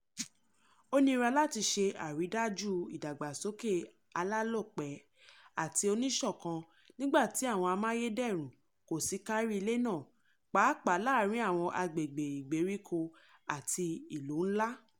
Ó nira láti ṣe àrídájú ìdàgbàsókè alálòpẹ́ àti oníṣọ̀kan nígbà tí àwọn amáyédẹrùn kò ṣì kárí ilẹ̀ náà, pàápàá láàárín àwọn agbègbè ìgbèríko àti ìlú ńlá.